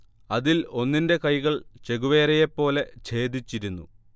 അതിൽ ഒന്നിന്റെ കൈകൾ ചെഗുവേരയെപ്പോലെ ഛേദിച്ചിരുന്നു